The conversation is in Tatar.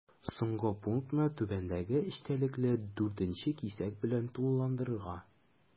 Соңгы пунктны түбәндәге эчтәлекле 4 нче кисәк белән тулыландырырга.